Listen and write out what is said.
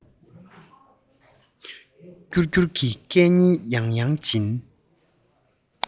ཐོགས རེག བྲལ བའི ནམ མཁའ དྲན ཅིང